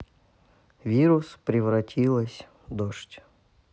вирус превратилась дождь